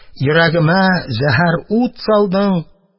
Йөрәгемә зәһәр ут салдың